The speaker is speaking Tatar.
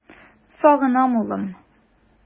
Сагынам, улым!